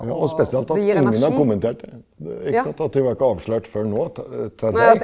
og spesielt at ingen har kommentert det ikke sant, at det var ikke avslørt før nå til til deg.